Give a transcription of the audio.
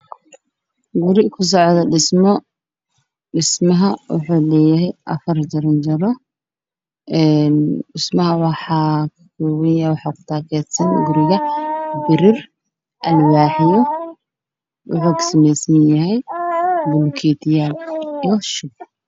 Waa guri ku socda dhismo